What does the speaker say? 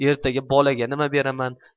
ertaga bolaga nima beraman